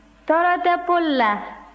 tɔɔrɔ tɛ paul la